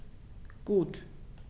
Gut.